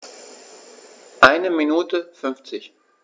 Eine Minute 50